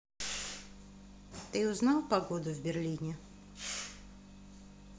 ты узнал погоду в берлине